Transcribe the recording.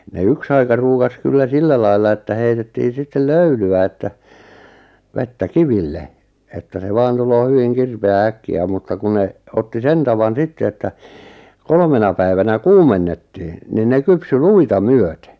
ne yksi aika ruukasi kyllä sillä lailla että heitettiin sitten löylyä että vettä kiville että se vain tulee hyvin kirpeää äkkiä mutta kun ne otti sen tavan sitten että kolmena päivänä kuumennettiin niin ne kypsyi luita myöten